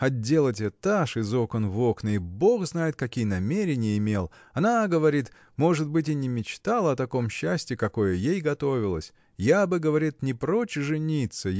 отделать этаж из окон в окна и бог знает какие намерения имел она говорит может быть и не мечтала о таком счастье какое ей готовилось. Я бы говорит не прочь жениться